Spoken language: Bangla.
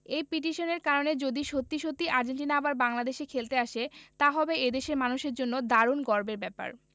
এই পিটিশনের কারণে যদি সত্যি সত্যিই আর্জেন্টিনা আবার বাংলাদেশে খেলতে আসে তা হবে এ দেশের মানুষের জন্য দারুণ গর্বের ব্যাপার